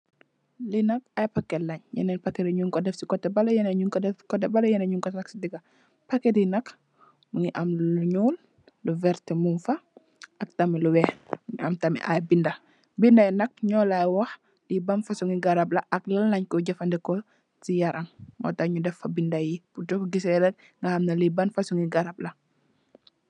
Lee nak aye packet len yenen packet nugku def se koteh bale yenen nuku def se koteh bale yenen nuku rah se dega packet ye nak muge am lu nuul lu verte mugfa ak tamin lu weex muge am aye beda beda ye nak nula wah le ban fosunge garab la ak le lan lenkoye jafaneku se yaram motah nu defa beda ye purr soku gisse rek ga ham le ban fosunge garab la.